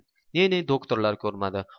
ne ne doktorlar ko'rmadi